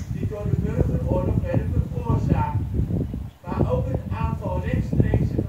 die door de burgeroorlog werden veroorzaakt, maar ook het aantal rechtstreekse geweldslachtoffers